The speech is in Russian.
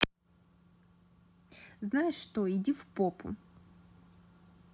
знаешь что идти в попу